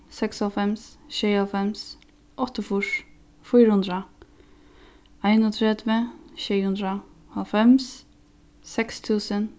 seksoghálvfems sjeyoghálvfems áttaogfýrs fýra hundrað einogtretivu sjey hundrað hálvfems seks túsund